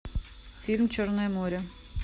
фильм черное море